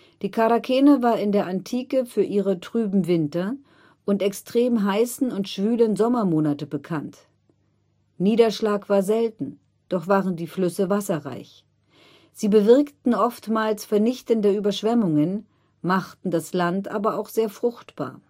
Die Charakene war in der Antike für ihre trüben Winter und extrem heißen und schwülen Sommermonate bekannt. Niederschlag war selten, doch waren die Flüsse wasserreich. Sie bewirkten oftmals vernichtende Überschwemmungen, machten das Land aber auch sehr fruchtbar